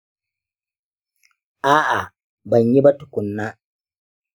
a'a. banyi ba tukunna.